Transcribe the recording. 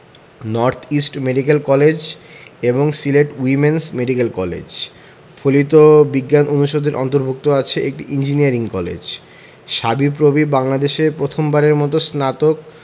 north east medical college এবং Sylhet women's medical college ফলিত বিজ্ঞান অনুষদের অন্তর্ভুক্ত আছে একটি ইঞ্জিনিয়ারিং কলেজ সাবিপ্রবি বাংলাদেশে প্রথম বারের মতো স্নাতক